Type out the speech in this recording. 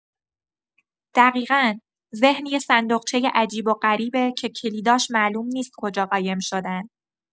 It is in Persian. دقیقا، ذهن یه صندوقچۀ عجیب و غریبه که کلیداش معلوم نیست کجا قایم شدن.